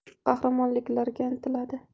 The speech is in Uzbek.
qahramonlikka intiladi